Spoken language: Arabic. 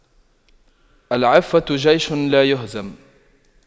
العفة جيش لايهزم